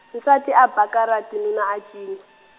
nsati a ba karati nuna a cina.